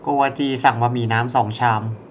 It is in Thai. โกวาจีสั่งบะหมี่น้ำสองชาม